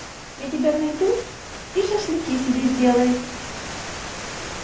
я тебя найду и шашлыки себя сделают